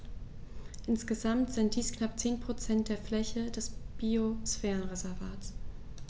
Insgesamt sind dies knapp 10 % der Fläche des Biosphärenreservates.